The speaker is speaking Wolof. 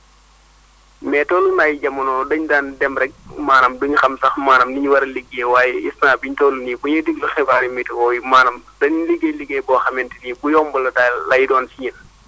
mais tolloon na ay jamono dañ daan dem rek maanaam duñu xam sax maanaam li ñu war a liggéey waaye instant bi ñu toll nii bu ñuy déglu xibaaru météo yi maanaam dañuy liggéey liggéey boo xamante ni bu yomb la daal lay doon si yéen